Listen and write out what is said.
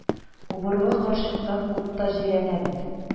– убырлы карчыктан ут та җирәнә бит